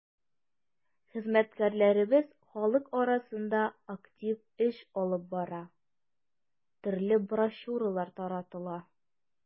Хезмәткәрләребез халык арасында актив эш алып бара, төрле брошюралар таратыла.